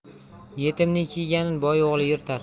yetimning kiyganin boy o'g'li yirtar